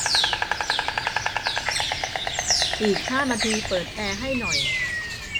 อีกห้านาทีเปิดแอร์ให้หน่อย